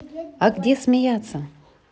а где смеяться